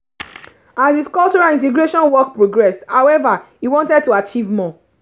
As his cultural integration work progressed, however, he wanted to achieve more.